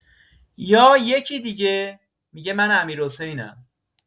یا یکی دیگه می‌گه من امیرحسینم.